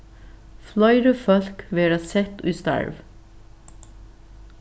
fleiri fólk verða sett í starv